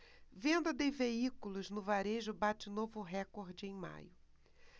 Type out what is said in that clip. venda de veículos no varejo bate novo recorde em maio